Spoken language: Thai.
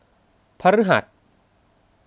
พฤหัส